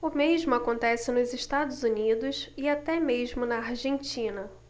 o mesmo acontece nos estados unidos e até mesmo na argentina